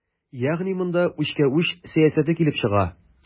Ягъни монда үчкә-үч сәясәте килеп чыга.